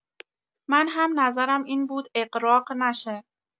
من هم نظرم این بود اغراق نشه.